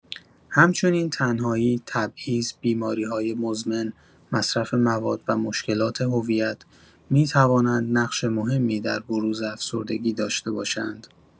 همچنین تنهایی، تبعیض، بیماری‌های مزمن، مصرف مواد و مشکلات هویت می‌توانند نقش مهمی در بروز افسردگی داشته باشند.